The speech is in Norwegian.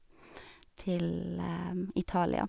Til Italia.